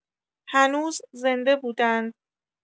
هنوز زنده بودند.